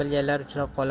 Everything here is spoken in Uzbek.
bilganlar uchrab qolar